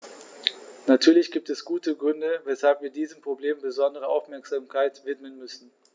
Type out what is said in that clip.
Natürlich gibt es gute Gründe, weshalb wir diesem Problem besondere Aufmerksamkeit widmen müssen.